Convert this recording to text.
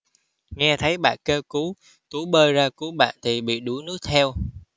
nghe thấy bạn kêu cứu tú bơi ra cứu bạn thì bị đuối nước theo